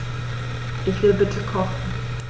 Ich will bitte kochen.